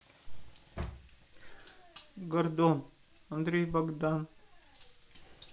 гордон андрей богдан